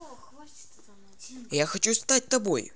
я хочу стать тобой